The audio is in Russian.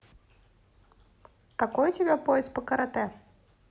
какой у тебя пояс по каратэ